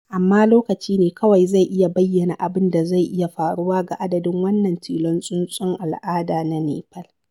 Amma lokaci ne kawai zai iya bayyana abin da zai iya faruwa ga adadin wannan tilon tsuntsun al'ada na Nepal.